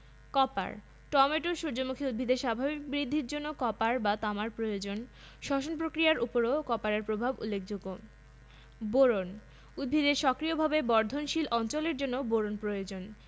chlorine সুপারবিট এর মূল এবং কাণ্ডের বৃদ্ধির জন্য ক্লোরিন প্রয়োজন